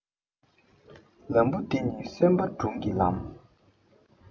ལམ བུ འདི ནི སེམས པ དྲུང གི ལམ